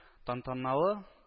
Тантаналы